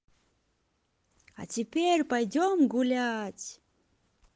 а теперь пойдем гулять